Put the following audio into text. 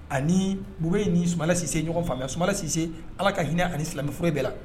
Ani b ni sulasise ɲɔgɔn faamu sulasise ala ka hinɛinɛ ani silamɛoro de la